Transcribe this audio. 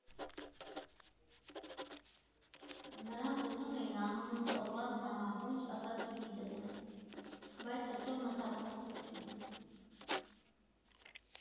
Նրանք ուզում էին անունս օրվան համահունչ՝ Ազատուհի դնել, բայց հետո մտափոխվեցին։